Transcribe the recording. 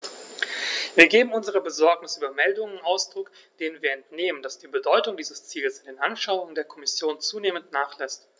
Wir geben unserer Besorgnis über Meldungen Ausdruck, denen wir entnehmen, dass die Bedeutung dieses Ziels in den Anschauungen der Kommission zunehmend nachlässt.